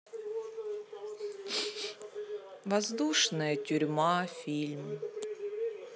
воздушная тюрьма фильм